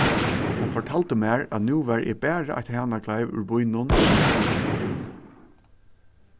hon fortaldi mær at nú var eg bara eitt hanagleiv úr býnum sum eg skuldi til